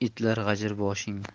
itlar g'ajir boshingni